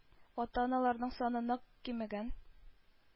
Ата-аналарның саны нык кимегән: